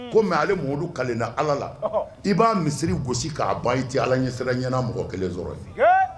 Ko mɛ ale muru ka na ala la i b'a misiri gosi k'a ban cɛ ala ɲɛsira ɲɛna mɔgɔ kelen sɔrɔ ye